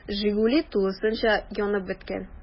“жигули” тулысынча янып беткән.